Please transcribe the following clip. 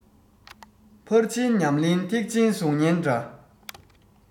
ཕར ཕྱིན ཉམས ལེན ཐེག ཆེན གཟུགས བརྙན འདྲ